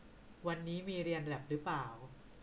วันนี้มีเรียนแล็บรึป่าว